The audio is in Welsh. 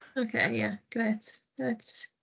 ocê ia grêt grêt.